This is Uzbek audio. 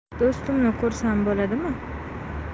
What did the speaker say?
dostimni ko'rsam bo'ladimi